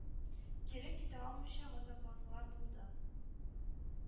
Кире китә алмыйча газапланулар булды.